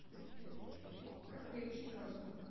как приучить козу